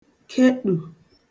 keṭù